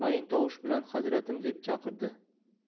mayin tovush bilan hazratim deb chaqirdi